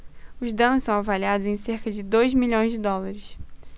os danos são avaliados em cerca de dois milhões de dólares